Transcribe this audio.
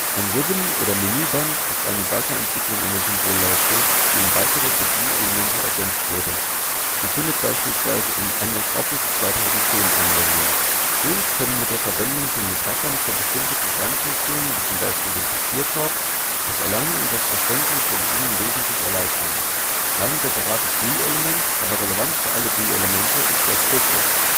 Ein Ribbon oder Menüband ist eine Weiterentwicklung einer Symbolleiste, die um weitere Bedienelemente ergänzt wurde. Sie findet beispielsweise in MS Office 2010 Anwendung. GUIs können mit der Verwendung von Metaphern für bestimmte Programmfunktionen, wie zum Beispiel dem Papierkorb, das Erlernen und das Verständnis der Bedienung wesentlich erleichtern. Kein separates GUI-Element, aber relevant für alle GUI-Elemente ist der Fokus